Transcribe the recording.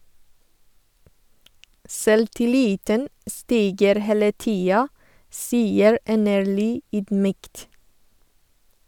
Selvtilliten stiger hele tida, sier Enerly ydmykt.